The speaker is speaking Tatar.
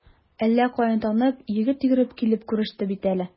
Әллә каян танып, егет йөгереп килеп күреште бит әле.